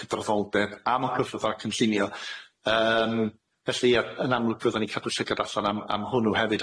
cydraddoldeb a ma'n cyffwrdd â cynllunio yym felly a yn amlwg fyddwn ni'n cadw siarad allan am am hwnnw hefyd,